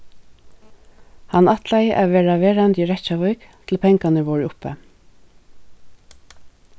hann ætlaði at verða verandi í reykjavík til pengarnir vóru uppi